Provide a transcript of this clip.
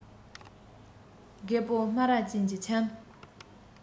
རྒད པོ སྨ ར ཅན གྱི ཁྱིམ